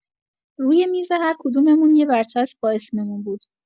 روی میز هر کدوممون یه برچسب با اسممون بود.